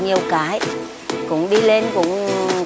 nhiều cái cũng đi lên cũng